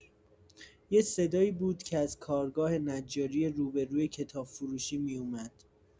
یه صدایی بود که از کارگاه نجاری روبه‌روی کتاب‌فروشی می‌اومد.